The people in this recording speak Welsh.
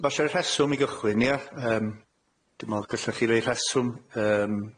Falle rheswm i gychwyn ia? Yym, dwi me'l gallech chi roi rheswm yym.